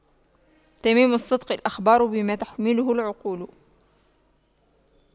تمام الصدق الإخبار بما تحمله العقول